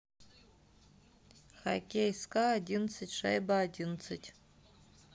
хоккей ска одиннадцать шайба одиннадцать